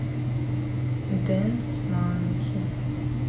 дэнс манки